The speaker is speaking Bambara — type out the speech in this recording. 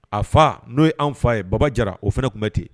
A fa n'o ye an fa ye baba jara o fana tun bɛ ten